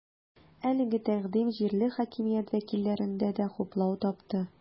Әлеге тәкъдим җирле хакимият вәкилләрендә дә хуплау тапты.